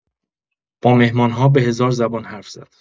با مهمان‌ها به هزار زبان حرف زد.